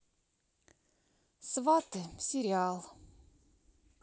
сваты сериал